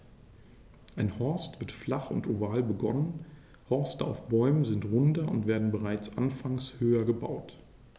Ein Horst wird flach und oval begonnen, Horste auf Bäumen sind runder und werden bereits anfangs höher gebaut.